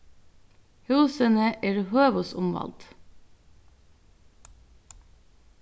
húsini eru høvuðsumvæld